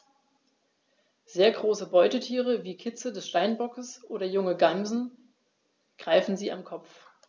Sehr große Beutetiere wie Kitze des Steinbocks oder junge Gämsen greifen sie am Kopf.